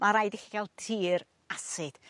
ma' raid i chi ga'l tir asid